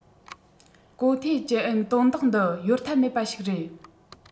གོ ཐའེ ཅུན ཨན དོན དག འདི གཡོལ ཐབས མེད པ ཞིག རེད